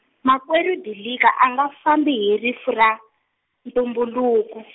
makwerhu Dilika a nga fambi hi rifu ra, ntumbuluko.